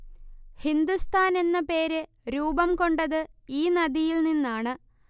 ഹിന്ദുസ്ഥാൻ എന്ന പേര് രൂപം കൊണ്ടത് ഈ നദിയിൽ നിന്നാണ്